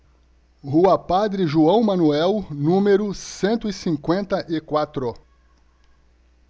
rua padre joão manuel número cento e cinquenta e quatro